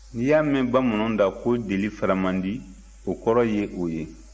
ni i y'a mɛn bamananw da ko deli fara man di o kɔrɔ ye o ye